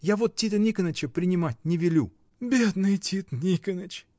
Я вот Тита Никоныча принимать не велю. — Бедный Тит Никоныч!